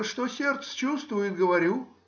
что сердце чувствует, говорю.